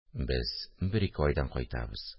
– без бер-ике айдан кайтабыз